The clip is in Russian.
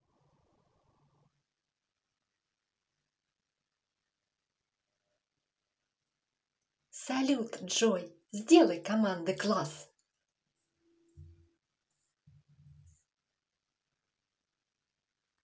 салют джой сделай команда класс